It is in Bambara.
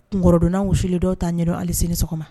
Kɔrɔdon wusilen dɔw ta ɲɛ hali sini sɔgɔma